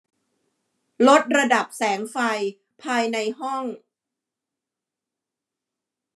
ลดระดับแสงไฟภายในห้อง